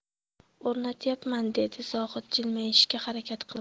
o'rnatyapman dedi zohid jilmayishga harakat qilib